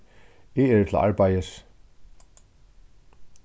eg eri til arbeiðis